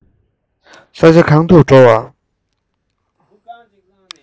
ས ཆ གང དུ འགྲོ བ